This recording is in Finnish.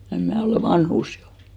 en minä olen vanhus jo